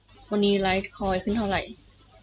วันนี้ไลท์คอยน์ขึ้นเท่าไหร่